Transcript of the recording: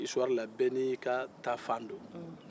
isutuwari la bɛɛ n'i taafan don